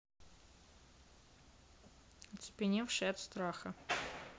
оцепеневшие от страха